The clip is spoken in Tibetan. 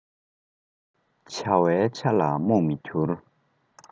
བྱ བའི ཆ ལ རྨོངས མི འགྱུར